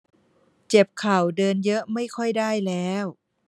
เจ็บเข่าเดินเยอะไม่ค่อยได้แล้ว